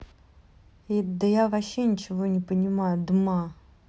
я вообще ничего не понимаю дма